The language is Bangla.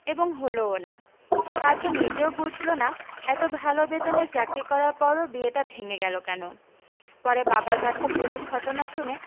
এবং হলোও না পাত্র নিজেও বুঝল না এত ভালো বেতনে চাকরি করার পরও বিয়েটা ভেঙে গেল কেন পরে বাবার কাছে পুরো ঘটনা শুনে